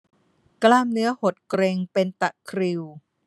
กล้ามเนื้อหดเกร็งเป็นตะคริว